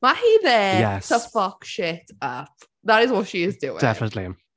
Mae hi there... Yes... To fuck shit up. That is what she is doing... Definitely.